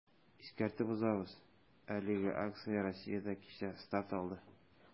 Искәртеп узабыз, әлеге акция Россиядә кичә старт алды.